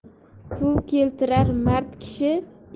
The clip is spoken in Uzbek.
suv keltirar mard kishi